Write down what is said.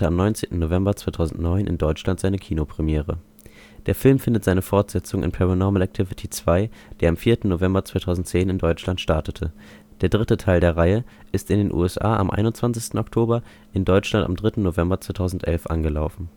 19. November 2009 in Deutschland seine Kinopremiere. Der Film findet seine Fortsetzung in Paranormal Activity 2, der am 4. November 2010 in Deutschland startete. Der dritte Teil der Reihe ist in den USA am 21. Oktober, in Deutschland am 3. November 2011 angelaufen